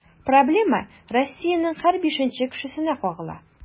Проблема Россиянең һәр бишенче кешесенә кагыла.